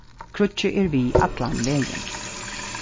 kríggið er við allan vegin